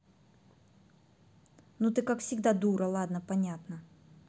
ну ты как всегда дура ладно понятно